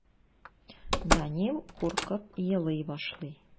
Данил куркып елый башлый.